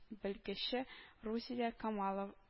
Белгече рузилә камало